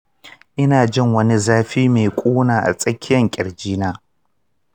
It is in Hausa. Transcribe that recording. ina jin wani zafi mai ƙuna a tsakiyan ƙirji na.